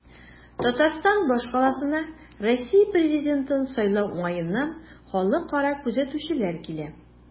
Татарстан башкаласына Россия президентын сайлау уңаеннан халыкара күзәтүчеләр килә.